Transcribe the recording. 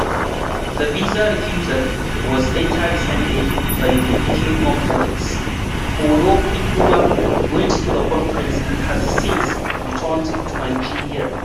The visa refusal was later rescinded by the UK Home Office. Olofinlua went to the conference and has since returned to Nigeria.